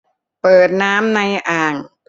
เปิดน้ำในอ่าง